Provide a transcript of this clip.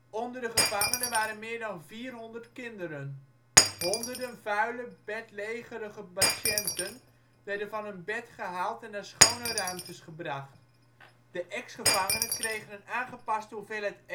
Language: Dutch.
Onder de gevangenen waren meer dan vierhonderd kinderen. Honderden vuile, bedlegerige patiënten werden van hun bed gehaald en naar schone ruimtes gebracht. De ex-gevangenen kregen een aangepaste hoeveelheid eten